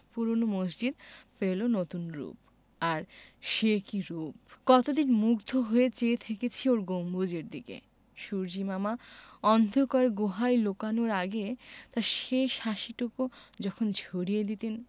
পুরোনো মসজিদ পেলো নতুন রুপ আর সে কি রুপ কতদিন মুগ্ধ হয়ে চেয়ে থেকেছি ওর গম্বুজের দিকে সূর্য্যিমামা অন্ধকার গুহায় লুকানোর আগে তাঁর শেষ হাসিটুকু যখন ঝরিয়ে দিতেন